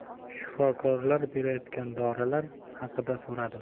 shifokorlar berayotgan dorilar haqida so'radim